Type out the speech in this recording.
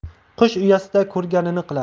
qush uyasida ko'rganini qilar